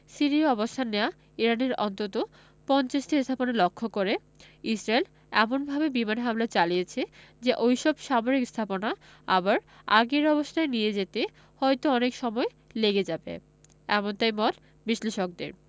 সিরিয়ায় অবস্থান নেওয়া ইরানের অন্তত ৫০টি স্থাপনা লক্ষ্য করে ইসরায়েল এমনভাবে বিমান হামলা চালিয়েছে যে ওই সব সামরিক স্থাপনা আবার আগের অবস্থায় নিয়ে যেতে হয়তো অনেক সময় লেগে যাবে এমনটাই মত বিশ্লেষকদের